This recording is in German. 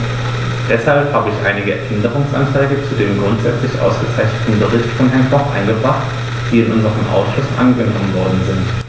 Deshalb habe ich einige Änderungsanträge zu dem grundsätzlich ausgezeichneten Bericht von Herrn Koch eingebracht, die in unserem Ausschuss angenommen worden sind.